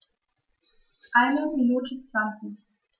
Eine Minute 20